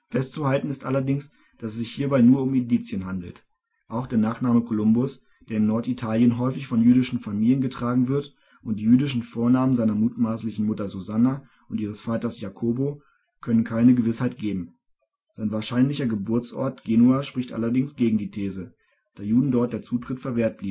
Festzuhalten ist allerdings, dass es sich hierbei nur um Indizien handelt. Auch der Nachname Kolumbus, der in Norditalien häufig von jüdischen Familien getragen wird und die jüdischen Vornamen seiner mutmaßlichen Mutter Susanna und ihres Vaters Jacobo, können keine Gewissheit geben. Sein wahrscheinlicher Geburtsort Genua spricht allerdings gegen die These, da Juden dort der Zutritt verwehrt